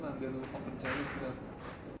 dedi u xotiijamlik bilan